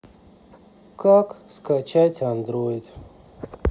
как скачать андроид